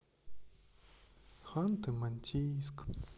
ханты мансийск